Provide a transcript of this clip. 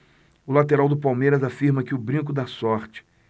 o lateral do palmeiras afirma que o brinco dá sorte